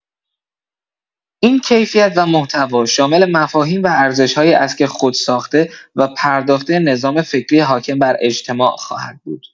این کیفیت و محتوا شامل مفاهیم و ارزش‌هایی است که خود ساخته و پرداخته نظام فکری حاکم بر اجتماع خواهد بود.